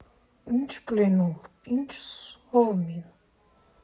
Ի՞նչ պլենում, ի՜նչ սովմին։